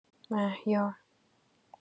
مهیار